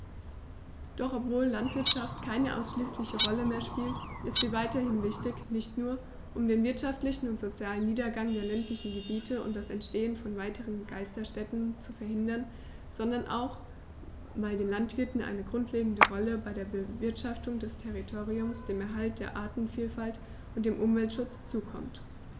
Doch obwohl die Landwirtschaft keine ausschließliche Rolle mehr spielt, ist sie weiterhin wichtig, nicht nur, um den wirtschaftlichen und sozialen Niedergang der ländlichen Gebiete und das Entstehen von weiteren Geisterstädten zu verhindern, sondern auch, weil den Landwirten eine grundlegende Rolle bei der Bewirtschaftung des Territoriums, dem Erhalt der Artenvielfalt und dem Umweltschutz zukommt.